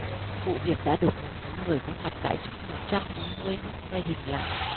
vụ việc đã được một số người có mặt tại chốt một trăm bốn mươi mốt quay hình lại